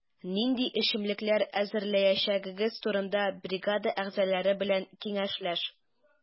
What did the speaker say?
Нинди эчемлекләр әзерләячәгегез турында бригада әгъзалары белән киңәшләш.